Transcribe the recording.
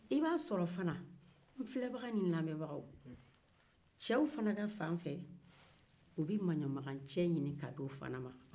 cɛw fana kafan fɛ u be manɲamagacɛ ɲini ka di u ma